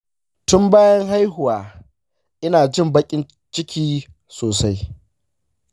tun bayan haihuwa ina jin baƙin ciki sosai.